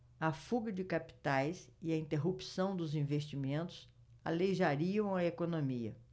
a fuga de capitais e a interrupção dos investimentos aleijariam a economia